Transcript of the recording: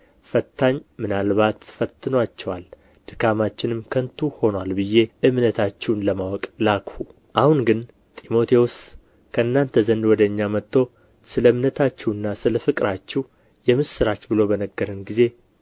ፈታኝ ምናልባት ፈትኖአቸዋል ድካማችንም ከንቱ ሆኖአል ብዬ እምነታችሁን ለማወቅ ላክሁ አሁን ግን ጢሞቴዎስ ከእናንተ ዘንድ ወደ እኛ መጥቶ ስለ እምነታችሁና ስለ ፍቅራችሁ የምስራች ብሎ በነገረን ጊዜ